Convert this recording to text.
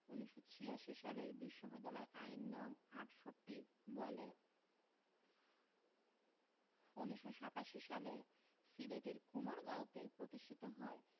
১৯৮৬ সালের বিশ্ববিদ্যালয় আইন নং ৬৮ বলে ১৯৮৭ সালে সিলেটের কুমারগাঁওতে প্রতিষ্ঠিত হয়